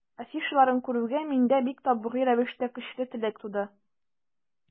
Афишаларын күрүгә, миндә бик табигый рәвештә көчле теләк туды.